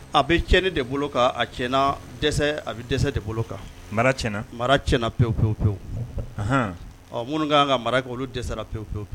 A bɛ tii de bolo kan a tiɲɛna dɛsɛ a bɛ dɛsɛ de bolo kan mara tiɲɛna mara tiɲɛna pewu pewu pewu ɔ minnu kan ka mara ka olu dɛsɛra pewu pewu